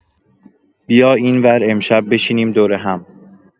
بیا اینور امشب بشینیم دور هم